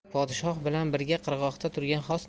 podshoh bilan birga qirg'oqda turgan xos